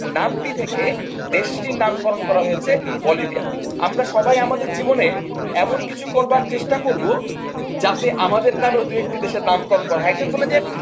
নামটি থেকে দেশটির নামকরণ করা হয়েছে বলিভিয়া আমরা সবাই আমাদের জীবনে এমন কিছু করবার চেষ্টা করব যাতে আমাদের নামে দু একটা দেশের নামকরণ করা হয় একজন বললেন যে